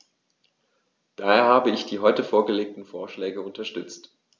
Daher habe ich die heute vorgelegten Vorschläge unterstützt.